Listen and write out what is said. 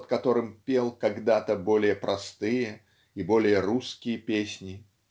под которым пел когда-то более простые и более русские песни.